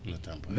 ɗi tampat